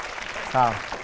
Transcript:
sao